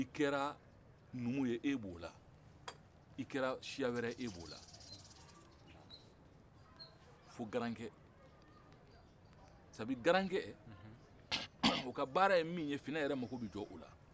i kɛra nunmu ye e b'o la i kɛra siya wɛre ye e b'o la fo garankɛ sabu garankɛ o ka baara ye min ye finɛ mako bɛ jɔ o la